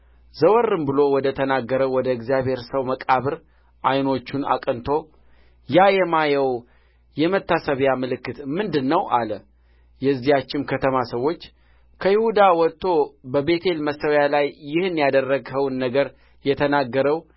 ዘወርም ብሎ ወደ ተናገረው ወደ እግዚአብሔር ሰው መቃብር ዓይኖቹን አቅንቶ ያ የማየው የመታሰቢያ ምልክት ምንድር ነው አለ የዚያችም ከተማ ሰዎች ከይሁዳ ወጥቶ በቤቴል መሠዊያ ላይ ይህን ያደረግኸውን ነገር የተናገረው